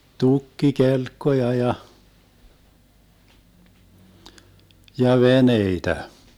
tukkikelkkoja ja ja veneitä